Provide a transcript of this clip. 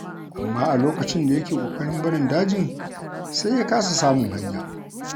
Amma a lokacin da yake ƙoƙarin barin dajin, sai ya kasa samun hanya.